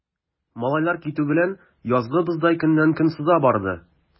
Малайлар китү белән, язгы боздай көннән-көн сыза барды.